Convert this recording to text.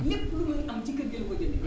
lépp lu muy am ci kër gi la ko jëmee